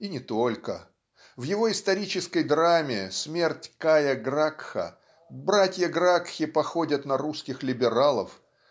и не только в его исторической драме "Смерть Кая Гракха" братья Гракхи походят на русских либералов